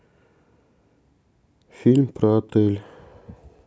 фильм про отель